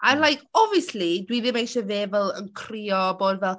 And like obviously dwi ddim eisiau fe fel yn crio bod yn fel...